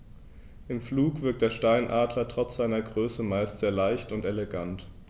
Im Flug wirkt der Steinadler trotz seiner Größe meist sehr leicht und elegant.